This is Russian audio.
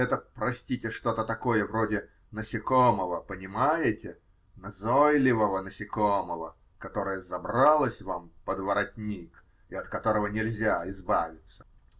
Это, простите, что-то такое вроде насекомого, понимаете, назойливого насекомого, которое забралось вам под воротник и от которого нельзя избавиться.